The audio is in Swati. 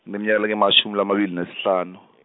nemnyaka lemashumi lamabili nesihlanu .